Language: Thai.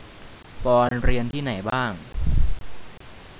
ปอนด์เรียนที่ไหนบ้าง